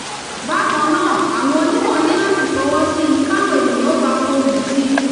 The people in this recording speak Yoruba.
Bákan náà, àwọn onímọ̀ ní láti f'ọwọ́ sí i k'áwọn ènìyàn ó ba f'ohùn sí i.